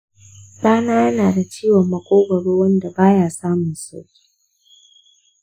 ɗana yana da ciwon maƙogwaro wanda baya samun sauƙi